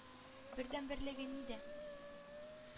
Бердәнберлеге нидә?